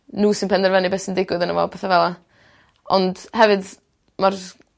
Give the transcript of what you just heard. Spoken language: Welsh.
n'w sy'n penderfynu beth sy'n digwydd yno fo a petha fela. Ond hefyd ma'r